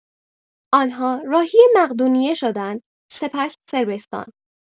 آنها راهی مقدونیه شدند، سپس صربستان.